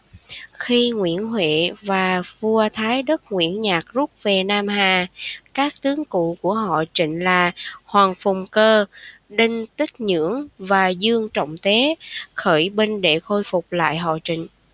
khi nguyễn huệ và vua thái đức nguyễn nhạc rút về nam hà các tướng cũ của họ trịnh là hoàng phùng cơ đinh tích nhưỡng và dương trọng tế khởi binh để khôi phục lại họ trịnh